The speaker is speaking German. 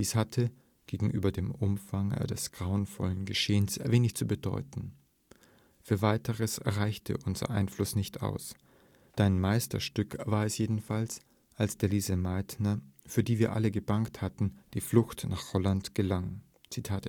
hatte, gegenüber dem Umfang des grauenvollen Geschehens, wenig zu bedeuten; für Weiteres reichte unser Einfluss nicht aus. Dein Meisterstück war es jedenfalls, als der Lise Meitner, für die wir alle gebangt hatten, die Flucht nach Holland gelang. “Der